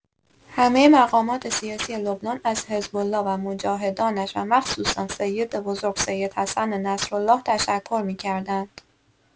همه مقامات سیاسی لبنان از حزب‌الله و مجاهدانش و مخصوصا سید بزرگ، سید حسن نصرالله تشکر می‌کردند.